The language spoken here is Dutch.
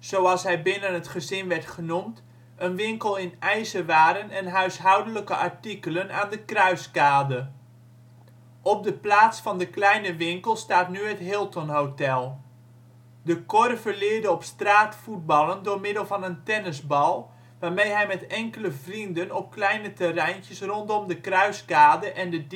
zoals hij binnen het gezin werd genoemd, een winkel in ijzerwaren en huishoudelijke artikelen aan de Kruiskade. Op de plaats van de kleine winkel staat nu het Hilton Hotel. De Korver leerde op straat voetballen door middel van een tennisbal, waarmee hij met enkele vrienden op kleine terreintjes rondom de Kruiskade en de